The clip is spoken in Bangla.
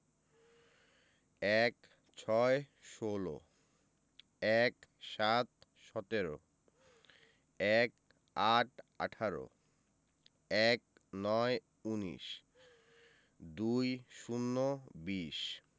১৬ - ষোল ১৭ - সতেরো ১৮ - আঠারো ১৯ - উনিশ ২০ - বিশ